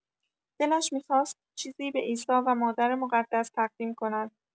دلش می‌خواست چیزی به عیسی و مادر مقدس تقدیم کند.